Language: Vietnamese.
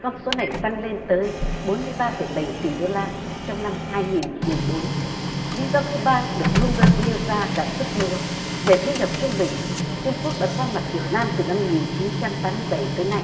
con số này tăng lên tới bốn mươi ba phẩy bảy tỷ đô la trong năm hai nghìn mười bốn lí do thứ ba được rum đơ nêu ra là sức mua về thu nhập trung bình trung quốc đã qua mặt việt nam từ năm một nghìn chín trăm tám mươi bảy tới nay